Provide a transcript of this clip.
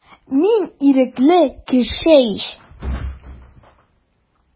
Мин ирекле кеше ич.